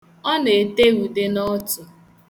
Ọ na-ete ude n' ọtụ.